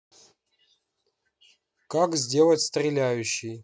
как сделать стреляющий